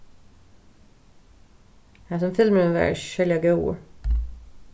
hasin filmurin var ikki serliga góður